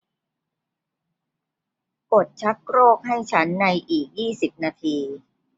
กดชักโครกให้ฉันในอีกยี่สิบนาที